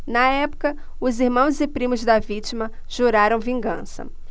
na época os irmãos e primos da vítima juraram vingança